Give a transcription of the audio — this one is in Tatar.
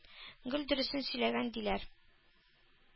Гел дөресен сөйләгән, – диләр,